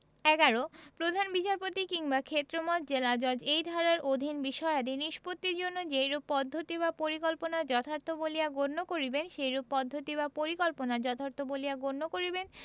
১১ প্রধান বিচারপতি কিংবা ক্ষেত্রমত জেলাজজ এই ধারার অধীন বিষয়াদি নিষ্পত্তির জন্য যেইরূপ পদ্ধতি বা পরিকল্পনা যথার্থ বলিয়া গণ্য করিবেন সেইরূপ পদ্ধতি বা পরিকল্পনা যথার্থ বলিয়া গণ্য করিবেন